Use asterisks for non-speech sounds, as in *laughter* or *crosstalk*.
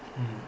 *hesitation* *hesitation*